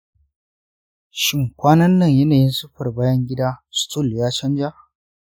shin kwanannan yanayin siffar bayan gida stool ya chanza?